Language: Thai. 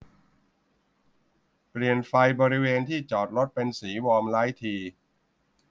เปลี่ยนไฟบริเวณที่จอดรถเป็นสีวอร์มไลท์ที